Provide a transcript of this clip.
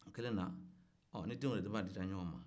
o kɛlen na ni denw yɛrɛ damaw dira ɲɔgɔn ma